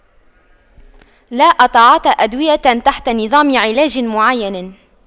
لا أتعاطى أدوية تحت نظام علاج معين